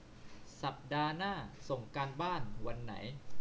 สัปดาห์หน้าส่งการบ้านวันไหน